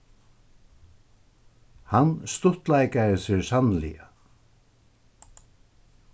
hann stuttleikaði sær sanniliga